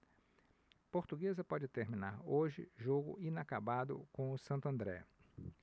portuguesa pode terminar hoje jogo inacabado com o santo andré